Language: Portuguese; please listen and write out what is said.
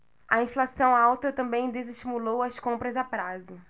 a inflação alta também desestimulou as compras a prazo